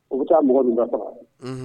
U bɛ taa mɔgɔ dun ka faga